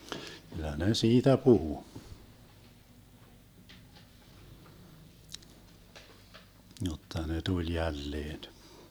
kyllä ne siitä puhui jotta ne tuli jälleen